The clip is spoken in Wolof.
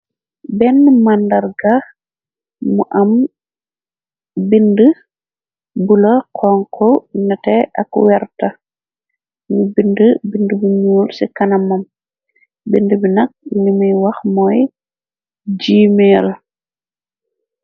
Benn màndar gax mu am bind bu la xonko nate ak werta. Nyu bind bind bu nuul ci kana mam. Bind bi nag limay wax mooy jiimeela.